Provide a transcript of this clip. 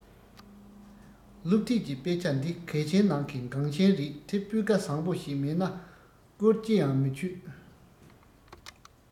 སློབ དེབ ཀྱི དཔེ ཆ འདི གལ ཆེན ནང གི འགངས ཆེན རེད དེ སྤུས ཀ བཟང བོ ཞིག མེད ན བཀོལ ཅི ཡང མི ཆོད